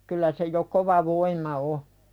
kyllä se jo kova voima on